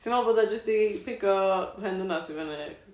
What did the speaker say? ti meddwl bod o jyst 'di pigo hen ddynas i fyny?